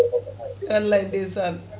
wallay ndeysan